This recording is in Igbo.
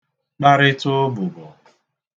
kparịta ụbòbò